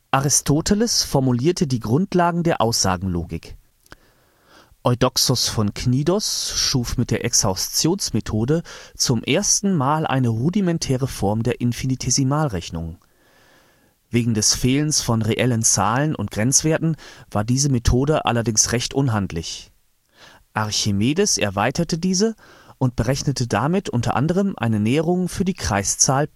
Aristoteles formulierte die Grundlagen der Aussagenlogik. Eudoxos von Knidos schuf mit der Exhaustionsmethode zum ersten Mal eine rudimentäre Form der Infinitesimalrechnung. Wegen des Fehlens von reellen Zahlen und Grenzwerten war diese Methode allerdings recht unhandlich. Archimedes erweiterte diese und berechnete damit unter anderem eine Näherung für die Kreiszahl